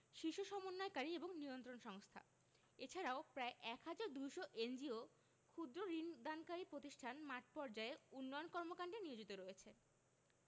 শীর্ষ সমন্বয়কারী এবং নিয়ন্ত্রণ সংস্থা এছাড়াও প্রায় ১ হাজার ২০০ এনজিও ক্ষুদ্র্ ঋণ দানকারী প্রতিষ্ঠান মাঠপর্যায়ে উন্নয়ন কর্মকান্ডে নিয়োজিত রয়েছে